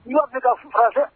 Ɲɔ bɛ ka su fɛ